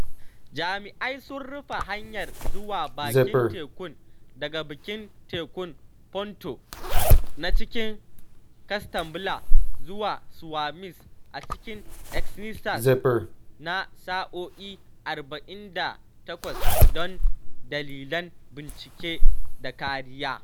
Jami’ai sun rufe hanyar zuwa bakin tekun daga Bakin Tekun Ponto na cikin Casablad zuwa Swami's a cikin Ecinitas na sa’o’i 48 don dalilan bincike da kariya.